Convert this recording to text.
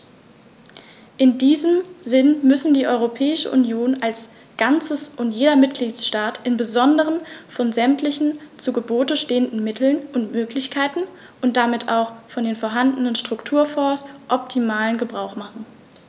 In diesem Sinne müssen die Europäische Union als Ganzes und jeder Mitgliedstaat im Besonderen von sämtlichen zu Gebote stehenden Mitteln und Möglichkeiten und damit auch von den vorhandenen Strukturfonds optimalen Gebrauch machen.